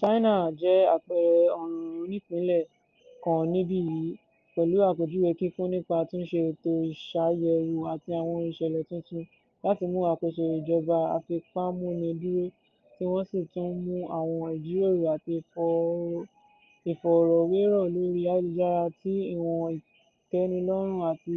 China jẹ́ àpẹẹrẹ ọ̀ràn onípìlẹ̀ kan níbí yìí, pẹ̀lú àpéjúwe kíkún nípa àtúnṣe ètò ìṣàyẹ̀wò àti àwọn ìṣẹ̀lẹ̀ tuntun láti mú àkóso ìjọba afipámúni dúró, tí wọn sì tún ń mú, "...àwọn ìjíròrò àti ìfọ̀rọ̀wérọ lórí ayélujára tí ìwọ̀n ìtẹ́nilọ́rùn àti